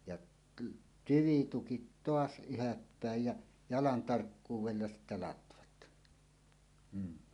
ja tyvitukit taas ylhäälle päin ja jalan tarkkuudella sitten latvat mm